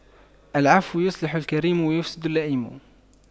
العفو يصلح الكريم ويفسد اللئيم